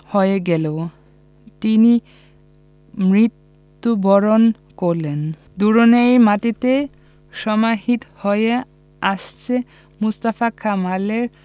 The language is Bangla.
হয়ে গেল তিনি মৃত্যুবরণ করলেন দরুইনের মাটিতে সমাহিত হয়ে আছে মোস্তফা কামালের